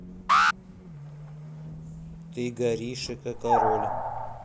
ты горишека король